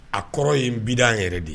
A kɔrɔ ye n bi an yɛrɛ de ye